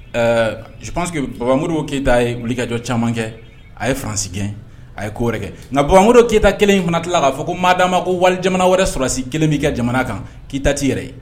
Ɛɛ je pense que baba Modibo Keyita ye wulikajɔ caaman kɛ, a ye fanransi gɛn, a ye ko wɛrɛ kɛ, nka baba Modibo keyita kelen in fana tilala k'a fɔ ko maadama ko wali jamana wɛrɛ sɔrɔdasi kelen b'i ka jamana kan k'i ta t'i yɛrɛ ye.